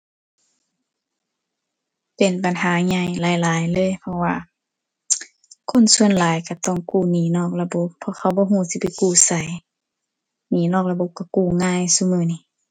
เป็นปัญหาใหญ่หลายหลายเลยเพราะว่า คนส่วนหลายก็ต้องกู้หนี้นอกระบบเพราะเขาบ่ก็สิไปกู้ไส หนี้นอกระบบก็กู้ง่ายซุมื้อนี้